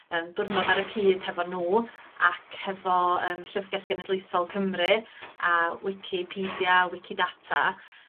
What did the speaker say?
yym diwrnod ar y cyd hefo nw ac hefo yym Llyfrgell Genedlaethol Cymru a wicipedia wicidata